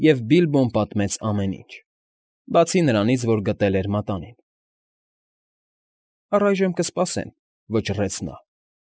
Եվ Բիլբոն պատմեց ամեն ինչ… Բացի նրանից, որ գտել էր մատանին։ («Առայժմ կսպասեմ»,֊ վճռեց նա)։